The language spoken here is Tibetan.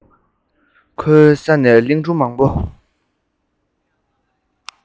ངས ཁོའི ས ནས གླིང སྒྲུང མང པོ